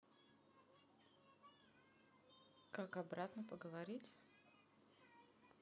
как обратно поговорить